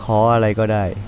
ขออะไรก็ได้